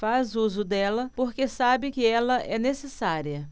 faz uso dela porque sabe que ela é necessária